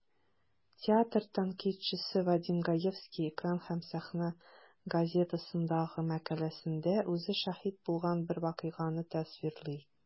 Театр тәнкыйтьчесе Вадим Гаевский "Экран һәм сәхнә" газетасындагы мәкаләсендә үзе шаһит булган бер вакыйганы тасвирлый.